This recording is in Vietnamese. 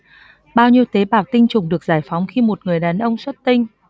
bao nhiêu tế bào tinh trùng được giải phóng khi một người đàn ông xuất tinh